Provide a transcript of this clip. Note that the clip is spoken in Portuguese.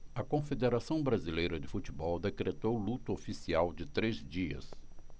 a confederação brasileira de futebol decretou luto oficial de três dias